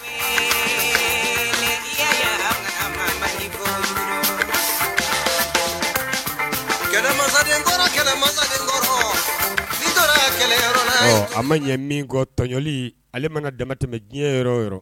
A ma ɲɛ min tɔɲɔli ale mana damatɛ diɲɛ yɔrɔ yɔrɔ